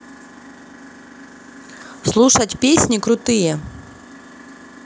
слушать песни крутые